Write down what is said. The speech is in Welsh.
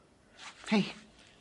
Hei.